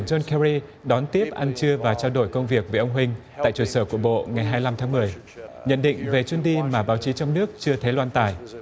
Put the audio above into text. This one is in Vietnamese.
giôn ke ri đón tiếp anh chưa trao đổi công việc với ông huynh tại trụ sở của bộ ngày hai lăm tháng mười nhận định về chuyến đi mà báo chí trong nước chưa thấy loan tải